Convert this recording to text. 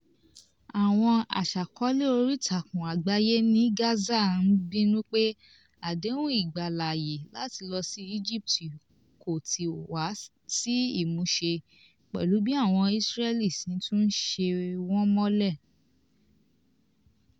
Àwọn aṣàkọọ́lẹ̀ oríìtakùn àgbáyé ní Gaza ń bínú pé àdéhùn ìgbàláàyè láti lọ sí Egypt kò tíì wá sí ìmúṣẹ, pẹ̀lú bí àwọn Isreali sì tún ṣe sé wọn mọ́lé.